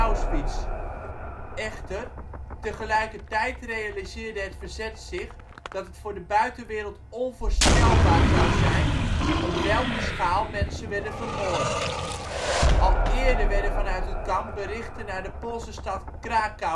Auschwitz. Echter, tegelijkertijd realiseerde het verzet zich dat het voor de buitenwereld onvoorstelbaar zou zijn op welke schaal mensen werden vermoord. Al eerder werden vanuit het kamp berichten naar de Poolse stad Krakau